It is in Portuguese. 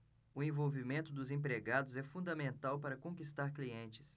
o envolvimento dos empregados é fundamental para conquistar clientes